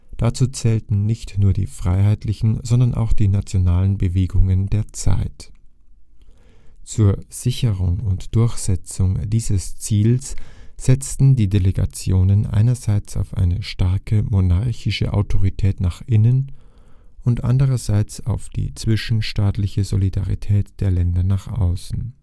Dazu zählten nicht nur die freiheitlichen, sondern auch die nationalen Bewegungen der Zeit. Zur Sicherung und Durchsetzung dieses Ziels setzten die Delegationen einerseits auf eine starke monarchische Autorität nach innen und andererseits auf die zwischenstaatliche Solidarität der Länder nach außen